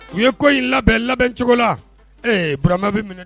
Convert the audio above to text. U ye ko in labɛn labɛncogo la eeurama bɛ minɛ